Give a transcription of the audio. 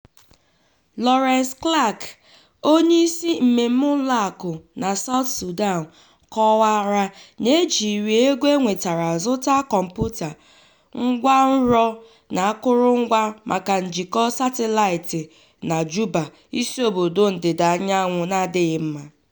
Laurence Clarke, onyeisi mmemme ụlọakụ na South Sudan, kọwara na e jiri ego enwetara zụta kọmputa, ngwanrọ na akụrụngwa maka njikọ satịlaịtị na Juba, isiobodo ndịdaanyanwụ n'adịghị mma.